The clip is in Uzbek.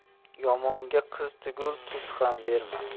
yomonga qiz tugul tuz ham berma